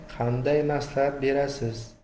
yoshlarga qanday maslahat berasiz